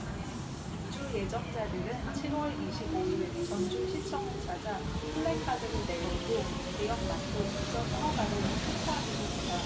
입주 예정자들은 칠 월 이십 오 일 전주시청을 찾아 플래카드를 내걸고 대형마트 입점 허가를 촉구하기도 했다